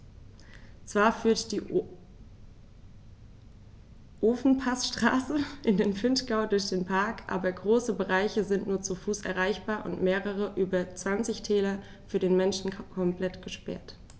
Zwar führt die Ofenpassstraße in den Vinschgau durch den Park, aber große Bereiche sind nur zu Fuß erreichbar und mehrere der über 20 Täler für den Menschen komplett gesperrt.